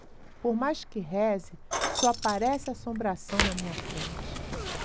por mais que reze só aparece assombração na minha frente